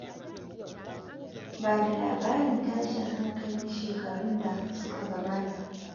Ba da labarin tashin hankalin shekarun da suka gabata